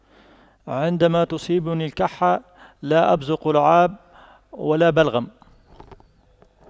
عندما تصيبني الكحة لا أبصق لعاب ولا بلغم